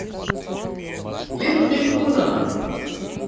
little big uno